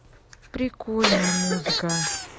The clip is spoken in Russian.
прикольная музыка